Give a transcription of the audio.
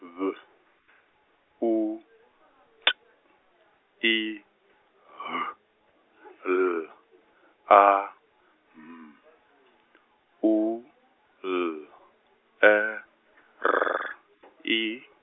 V U T I H L A M U L E R I.